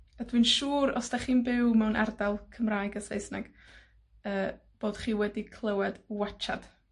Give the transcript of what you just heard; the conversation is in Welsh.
A dwi'n siŵr, os 'dach chi'n byw mewn ardal Cymraeg a Saesneg, yy, bod chi wedi clywed watsiad.